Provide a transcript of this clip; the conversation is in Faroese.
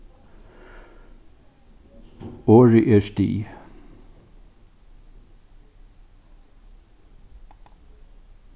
orðið er stig